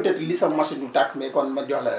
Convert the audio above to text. peut être li sama machine dul tàkk mais kon ma jox la